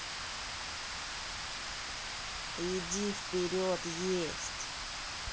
иди вперед есть